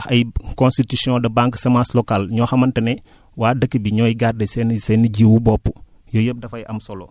li nga xamante ne dañ koy wax ay constitution de banque semence locale ñoo xamante ne waa dëkk bi ñooy garder seen i seen i jiwu bopp yooyu yépp dafay am solo